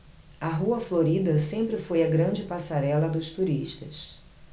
a rua florida sempre foi a grande passarela dos turistas